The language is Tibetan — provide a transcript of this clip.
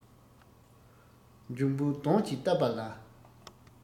འབྱུང པོའི གདོན གྱིས བཏབ པ ལ